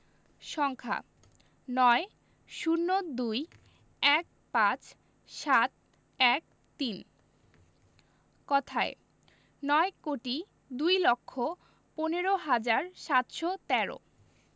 সংখ্যাঃ ৯ ০২ ১৫ ৭১৩ কথায়ঃ নয় কোটি দুই লক্ষ পনেরো হাজার সাতশো তেরো